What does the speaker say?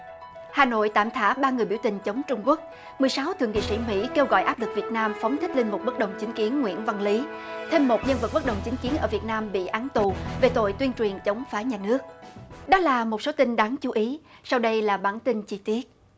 hà nội tạm thả ba người biểu tình chống trung quốc mười sáu thượng nghị sĩ mỹ kêu gọi áp lực việt nam phóng thích linh mục bất đồng chính kiến nguyễn văn lý thêm một nhân vật bất đồng chính kiến ở việt nam bị án tù về tội tuyên truyền chống phá nhà nước đó là một số tin đáng chú ý sau đây là bản tin chi tiết